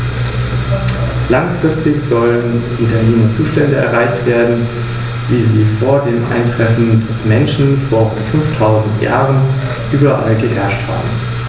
Zudem finden sich viele lateinische Lehnwörter in den germanischen und den slawischen Sprachen.